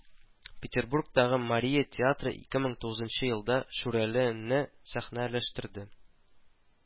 Петербурдагы Мария театры ике мең тугызынчы елда Шүрәле не сәхнәләштерде